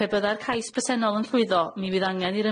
Pe bydda'r cais presennol yn llwyddo mi fydd angen i'r